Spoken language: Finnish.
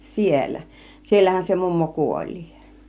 siellä siellähän se mummo kuoli